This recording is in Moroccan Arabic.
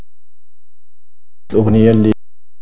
اغنيه